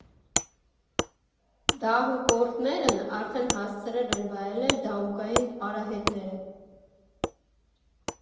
Դահուկորդներն արդեն հասցրել են վայելել դահուկային արահետները։